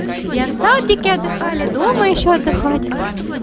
я в садике отдыхали дома еще отдыхать